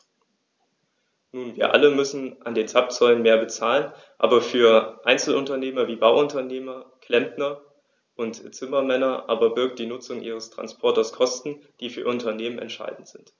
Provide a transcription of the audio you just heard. Nun wir alle müssen an den Zapfsäulen mehr bezahlen, aber für Einzelunternehmer wie Bauunternehmer, Klempner und Zimmermänner aber birgt die Nutzung ihres Transporters Kosten, die für ihr Unternehmen entscheidend sind.